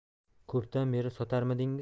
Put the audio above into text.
ko'pdan beri sotarmidingiz